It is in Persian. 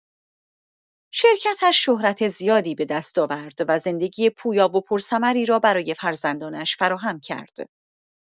شرکتش شهرت زیادی به دست آورد و زندگی پویا و پرثمری را برای فرزندانش فراهم کرد.